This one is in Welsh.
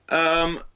Yym.